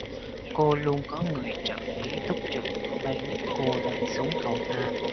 cô luôn có người trợ lý túc trực ở bên giúp cô lên xuống cầu thang